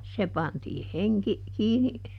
se pantiin henki kiinni